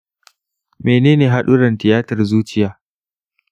menene haɗurran tiyatar zuciya?